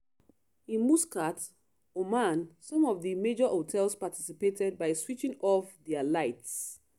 In Muscat, Oman, some of the major hotels participated by switching off their lights.